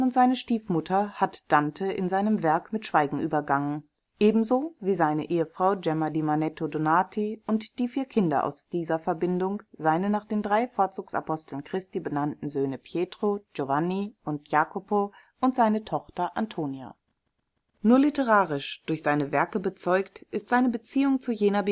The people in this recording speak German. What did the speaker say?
seine Stiefmutter hat Dante in seinem Werk mit Schweigen übergangen, ebenso wie seine Ehefrau Gemma di Manetto Donati (Mitgiftsvertrag 1270, Heirat um 1285) und die vier Kinder aus dieser Verbindung, seine nach den drei Vorzugsaposteln Christi benannten Söhne Pietro, Giovanni und Jacopo und seine Tochter Antonia. Nur literarisch durch seine Werke bezeugt ist seine Beziehung zu jener